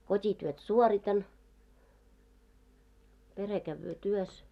kotityöt suoritan perhe käy työssä